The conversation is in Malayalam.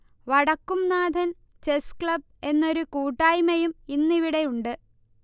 വടക്കുംനാഥൻ ചെസ് ക്ളബ്ബ് എന്നൊരു കൂട്ടായ്മയും ഇന്നിവിടെ ഉണ്ട്